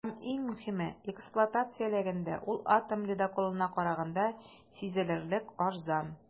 Һәм, иң мөһиме, эксплуатацияләгәндә ул атом ледоколына караганда сизелерлек арзан.